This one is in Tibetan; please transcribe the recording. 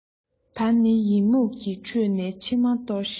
ད ནི ཡི མུག གི ཁྲོད ནས མཆི མ གཏོར ཞིང